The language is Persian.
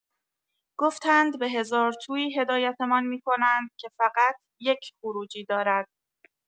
گفتند به هزارتویی هدایتمان می‌کنند که فقط یک خروجی دارد.